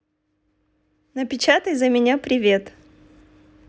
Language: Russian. напечатай за меня привет